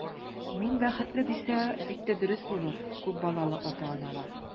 Мин бәхетле, дисә, бик тә дөрес булыр, күп балалы ата-аналар.